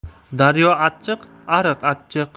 daryo achchiq ariq achchiq